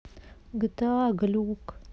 гта глюк